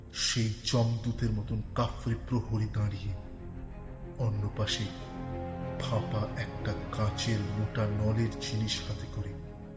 সে যমদূতের মত কাফ্রী প্রহরী দাঁড়িয়ে অন্যপাশে ফাপা একটা কাচের মোটা নলের জিনিস হাতে করে